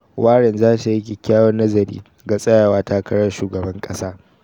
Warren za ta yi "kyakkyawan nazari" ga Tsayawa takarar Shugaban kasa